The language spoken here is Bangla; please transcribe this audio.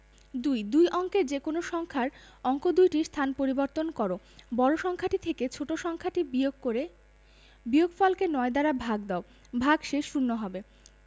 ২ দুই অঙ্কের যেকোনো সংখ্যার অঙ্ক দুইটির স্থান পরিবর্তন কর বড় সংখ্যাটি থেকে ছোট সংখ্যাটি বিয়োগ করে বিয়োগফলকে ৯ দ্বারা ভাগ দাও ভাগশেষ শূন্য হবে